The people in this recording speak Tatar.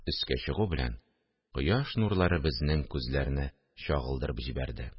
Өскә чыгу белән, кояш нурлары безнең күзләрне чагылдырып җибәрде